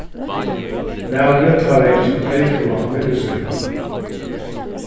maðurin kláraði ikki at breyðføða familju sína